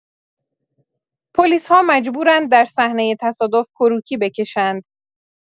پلیس‌ها مجبورند در صحنه تصادف کروکی بکشند